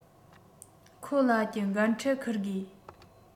ཁོ ལ གྱི འགན འཁྲི འཁུར དགོས